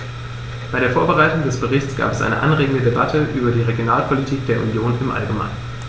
Bei der Vorbereitung des Berichts gab es eine anregende Debatte über die Regionalpolitik der Union im allgemeinen.